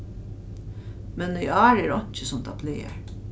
men í ár er einki sum tað plagar